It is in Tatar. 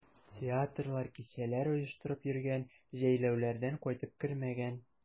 Театрлар, кичәләр оештырып йөргән, җәйләүләрдән кайтып кермәгән.